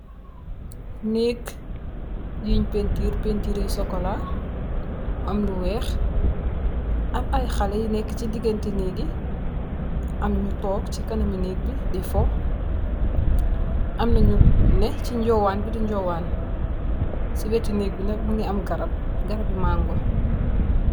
Nèk yu pentir pentir yu sokola, am lu wèèx am ay xaleh yu nekka ci diganteh nèk yi am ñu tóóg ci kanam mi nèk bi di foh, am na ñu neh ci njowan bi di njowan. Ci weti nèk bi nak mugii am garap, garap bi mango.